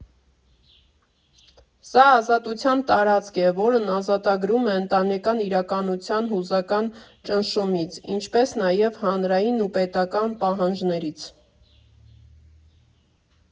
Սա ազատության տարածք է, որն ազատագրում է ընտանեկան իրականության հուզական ճնշումից, ինչպես նաև հանրային ու պետական պահանջներից։